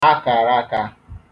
akaraka